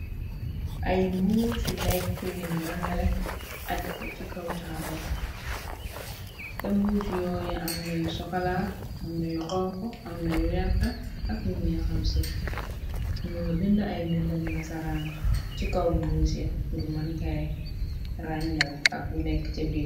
Ay mbuus yu lekk yiñu rangale aj ko ci kaw taabal ca mbuus yoo ya amna yu sokala amna yu xonxu amna yu werta ak yu ñeeh xam seeb ñoo nga binda ay mbindam na saraan ci kaw mbuus ya bur maan kay ràññale ak lu nekk ca biir.